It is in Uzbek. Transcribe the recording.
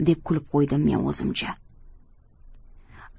deb kulib qo'ydim men o'zimcha